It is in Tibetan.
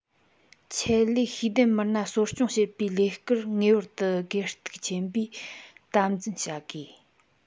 ཆེད ལས ཤེས ལྡན མི སྣ གསོ སྐྱོང བྱེད པའི ལས ཀར ངེས པར དུ དགོས གཏུག ཆེན པོས དམ འཛིན བྱ དགོས